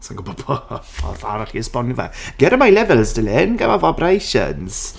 Sa i'n gwbo' pa ffordd arall i esbonio fe! Get on my levels darling. Get my vibrations.